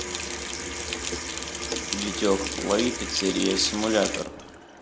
витек плей пиццерия симулятор